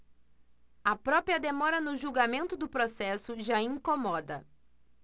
a própria demora no julgamento do processo já incomoda